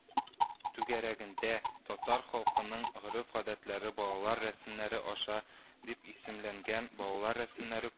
Түгәрәгендә: татар халкының гореф-гадәтләре балалар рәсемнәре аша” дип исемләнгән балалар рәсемнәре